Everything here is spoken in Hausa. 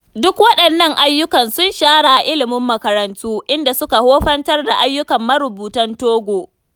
Duk waɗannan ayyukan sun shahara a ilimin makarantu, inda suka wofantar da ayyukan marubutan Togo.